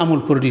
en pagaille